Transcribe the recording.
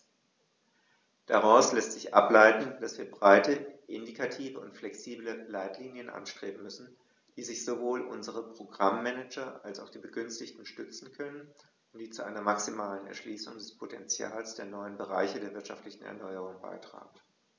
Daraus lässt sich ableiten, dass wir breite, indikative und flexible Leitlinien anstreben müssen, auf die sich sowohl unsere Programm-Manager als auch die Begünstigten stützen können und die zu einer maximalen Erschließung des Potentials der neuen Bereiche der wirtschaftlichen Erneuerung beitragen.